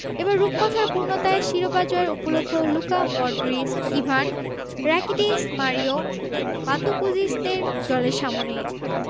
এবার রূপকথার পূর্ণতায় শিরোপা জয়ের উপলক্ষ Luka Modric Ivan Rakitic Mario মান্দজুকিচদের দলের সামনে